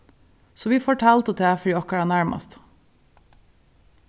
so vit fortaldu tað fyri okkara nærmastu